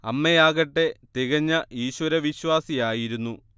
അമ്മയാകട്ടെ തികഞ്ഞ ഈശ്വരവിശ്വാസിയായിരുന്നു